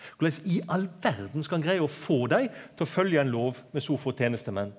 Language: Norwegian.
korleis i all verda skal han greia å få dei til å følgja ein lov med så få tenestemenn?